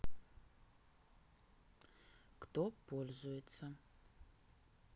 кто пользуется